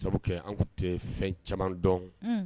Sabu an tɛ fɛn caman dɔn